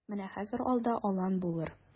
Менә хәзер алда алан булыр.